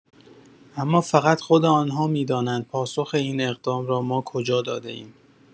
اما فقط خود آنها می‌دانند پاسخ این اقدام را ما کجا داده‌ایم.